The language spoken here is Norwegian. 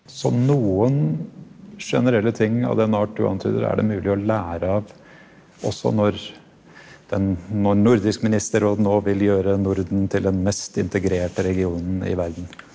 så noen generelle ting av den art du antyder er det mulig å lære av også når den når nordisk ministerråd nå vil gjøre Norden til den mest integrerte regionen i verden.